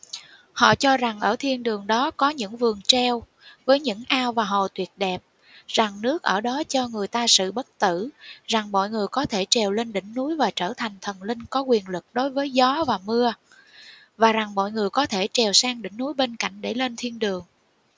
họ cho rằng ở thiên đường đó có những vườn treo với những ao và hồ tuyệt đẹp rằng nước ở đó cho người ta sự bất tử rằng mọi người có thể trèo lên đỉnh núi và trở thành thần linh có quyền lực đối với gió và mưa và rằng mọi người có thể trèo sang đỉnh núi bên cạnh để lên thiên đường